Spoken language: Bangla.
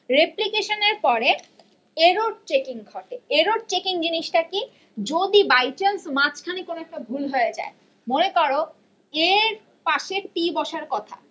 রেপ্লিকাশনের পরে এরর চেকিং হবে এরর চেকিং জিনিস টা কি যদি বাই চান্স মাঝখানে কোন একটা ভুল হয়ে যায় মনে কর এ এর পাশেটি বসার কথা